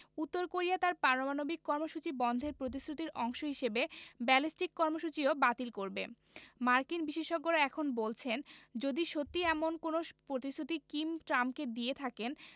উত্তর কোরিয়া তার পারমাণবিক কর্মসূচি বন্ধের প্রতিশ্রুতির অংশ হিসেবে ব্যালিস্টিক কর্মসূচিও বাতিল করবে মার্কিন বিশেষজ্ঞেরা এখন বলছেন যদি সত্যি এমন কোনো প্রতিশ্রুতি কিম ট্রাম্পকে দিয়ে থাকেন